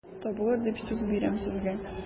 Табылыр дип сүз бирәм сезгә...